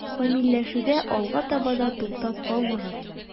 Камилләшүдә алга таба да туктап калмагыз.